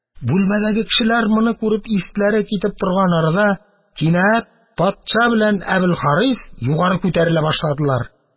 Бүлмәдәге кешеләр моны күреп исләре китеп торган арада, кинәт патша белән Әбелхарис югарыга күтәрелә башладылар.